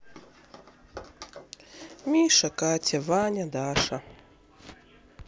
миша катя ваня даша